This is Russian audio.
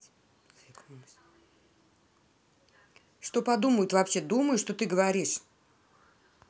что подумают вообще думаешь что ты говоришь